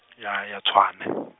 ya ya Tshwane.